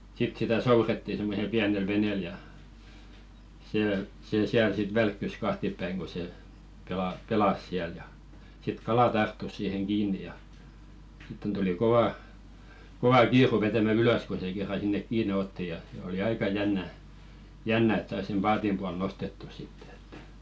sitten sitä soudettiin semmoisella pienellä veneellä ja se se siellä sitten välkkyi kahtiapäin kun se - pelasi siellä ja sitten kala tarttui siihen kiinni ja sitten tuli kova kova kiire vetämään ylös kun se kerran sinne kiinni otti ja oli aika jännä jännä että sai sen paatin puolelle nostettua sitten että